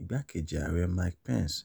Igbákejì Ààrè Mike Pence